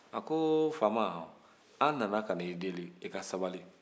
ko faama an nana kana i deli i ka sabali